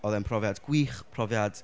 Oedd e'n profiad gwych. Profiad...